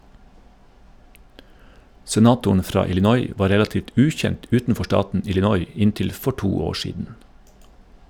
Senatoren fra Illinois var relativt ukjent utenfor staten Illinois inntil for to år siden.